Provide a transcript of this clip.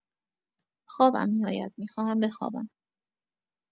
خوابم می‌آید، می‌خواهم بخوابم.